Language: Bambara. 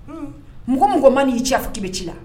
Mɔgɔ o mɔgɔ ma na i ci a fɔ k’i bɛ ci la.